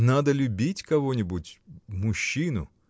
— Надо любить кого-нибудь, мужчину.